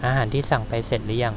อาหารที่สั่งไปเสร็จหรือยัง